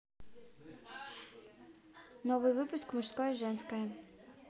новый выпуск мужское женское